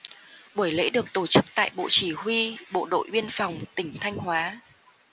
buổi lễ được tổ chức tại bộ chỉ huy bộ đội biên phòng tỉnh thanh hóa